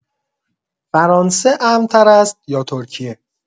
فرانسه امن‌تر است یا ترکیه؟